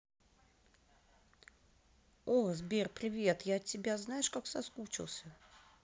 о сбер привет я я от тебя знаешь как соскучился